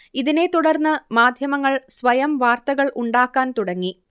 ഇതിനെ തുടർന്ന് മാധ്യമങ്ങൾ സ്വയം വാർത്തകൾ ഉണ്ടാക്കാൻ തുടങ്ങി